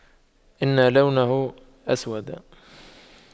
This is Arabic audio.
إن لونه أسود